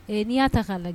N'i y' ta k'a lajɛ